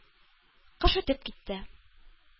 Кыш үтеп китте.